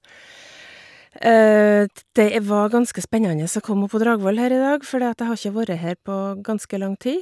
t Det var ganske spennende å komme opp på Dragvoll her i dag, fordi at jeg har ikke vorre her på ganske lang tid.